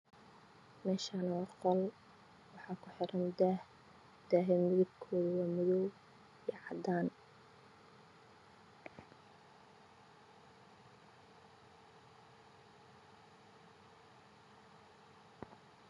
Mesjaan waa qol waxaa ku xiran daha midabkoosu waa madow iyo cadan